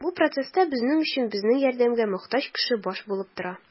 Бу процесста безнең өчен безнең ярдәмгә мохтаҗ кеше баш булып тора.